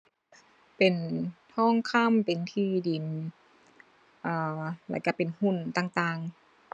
เป็นทองคำ เป็นที่ดิน เอ่อ แล้วก็เป็นหุ้นต่างต่าง